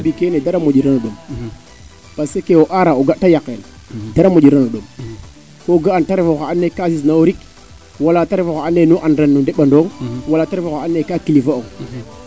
Djiby keene dara moƴirano ɗom parce que kee o aara o ga te yaqel dara moƴirano ɗom ko ga'a te ref oxa ando naye ka sik nawo rik wala te ref oxa ando naye nu anra no ndeɓanong wala te ref oxa ando naye ka kilifa ong